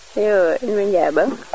iyo in way njaɓang